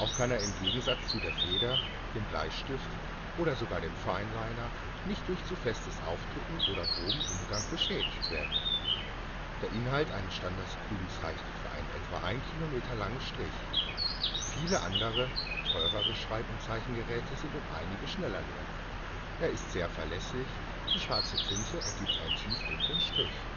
kann er im Gegensatz zu der Feder, dem Bleistift oder sogar dem Fineliner nicht durch zu festen Aufdrücken oder groben Umgang beschädigt werden. Der Inhalt eines Standard-Kulis reicht für einen etwa einen Kilometer langen Strich – viele andere, teurere Schreib - und Zeichengeräte sind um einiges schneller leer. Er ist sehr verlässlich, die schwarze Tinte ergibt einen tiefdunklen Strich